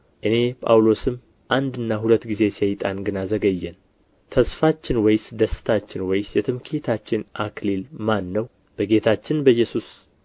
እኔ ጳውሎስም አንድና ሁለት ጊዜ ሰይጣን ግን አዘገየን ተስፋችን ወይስ ደስታችን ወይስ የትምክህታችን አክሊል ማን ነው በጌታችን በኢየሱስ ፊት